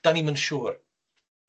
'Dan ni'm yn siŵr.